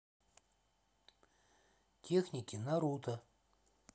техники наруто